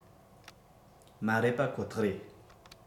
མ རེད པ ཁོ ཐག རེད